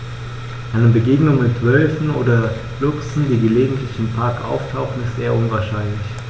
Eine Begegnung mit Wölfen oder Luchsen, die gelegentlich im Park auftauchen, ist eher unwahrscheinlich.